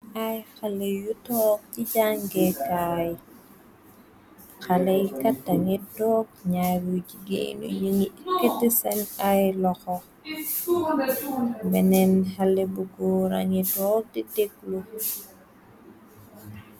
Ay xale yu toog ci jàngeekaay xaley katangi toog naar yu jigeen nugi ikiti chen ay loxo beneen xale bu goor ragi toog ti deg lu.